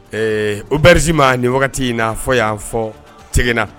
Ɛɛ Auberge Ma nin wagati in na fɔ yan fɔɔ Tiekena